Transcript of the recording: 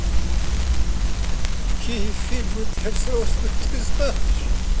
какие фильмы для взрослых ты знаешь